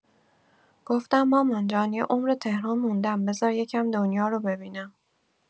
گفتم مامان جان، یه عمره تهران موندم، بذار یه کم دنیا رو ببینم.